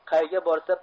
qayga borsa